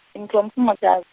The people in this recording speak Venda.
mufumaka-.